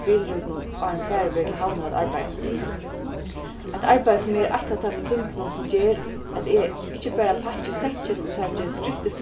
bilrútinum áðrenn farið verður til havnar at arbeiða eitt arbeiði sum er eitt av teimum tingunum sum ger at eg ikki bara pakki í sekkin og taki skrittið